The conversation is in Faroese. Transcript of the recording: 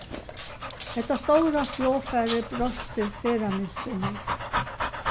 hetta stóra flogfarið broytti ferðamynstrið nógv